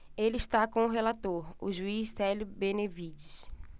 ele está com o relator o juiz célio benevides